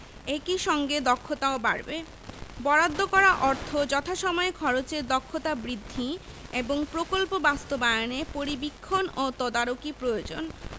একি সঙ্গে দক্ষতাও বাড়বে বরাদ্দ করা অর্থ যথাসময়ে খরচের দক্ষতা বৃদ্ধি এবং প্রকল্প বাস্তবায়নে পরিবীক্ষণ ও তদারকি প্রয়োজন